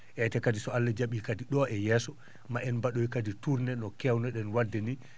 eeyi te kadi so Allah ja?ii kadi ?o e yeeso maa en mba?oy kadi tourné no keewno ?en wa?de ni